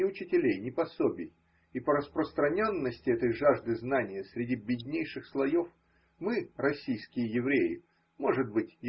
ни учителей, ни пособий: и по распространенности этой жажды знания среди беднейших слоев мы, российские евреи, может быть.